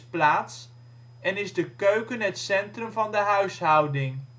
plaats, en is de keuken het centrum van de huishouding